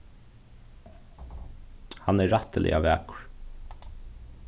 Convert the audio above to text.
hann er rættiliga vakur